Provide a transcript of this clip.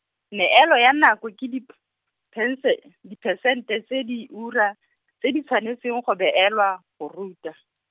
neelo ya nako ke diph-, -phense-, diphesente tse diura, tse di tshwanetseng go beelwa, go ruta.